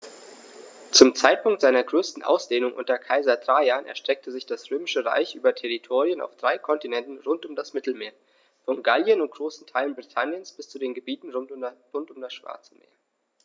Zum Zeitpunkt seiner größten Ausdehnung unter Kaiser Trajan erstreckte sich das Römische Reich über Territorien auf drei Kontinenten rund um das Mittelmeer: Von Gallien und großen Teilen Britanniens bis zu den Gebieten rund um das Schwarze Meer.